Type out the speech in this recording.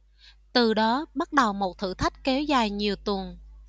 từ đó bắt đầu một thử thách kéo dài nhiều tuần